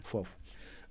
foofu